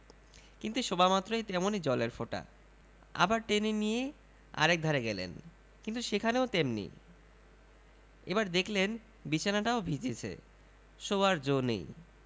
কিন্তু শোবামাত্রই তেমনি জলের ফোঁটা আবার টেনে নিয়ে আর একধারে গেলেন কিন্তু সেখানেও তেমনি এবার দেখলেন বিছানাটাও ভিজেছে শোবার জো নেই